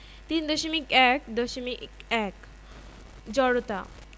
৩.১.১ জড়তা